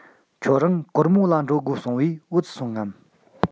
ཁྱོད རང གོར མོ ལ འགྲོ དགོས གསུངས པས བུད སོང ངམ